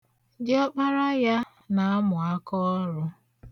Diọkpara ya na-amụ akaọrụ.